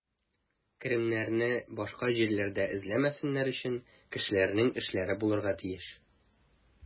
Керемнәрне башка җирләрдә эзләмәсеннәр өчен, кешеләрнең эшләре булырга тиеш.